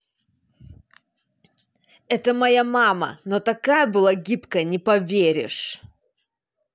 это моя мама но такая была гибкая не поверишь